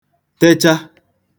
techa